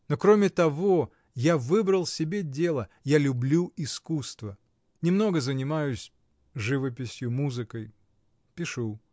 Но, кроме того, я выбрал себе дело: я люблю искусство и. немного занимаюсь. живописью, музыкой. пишу.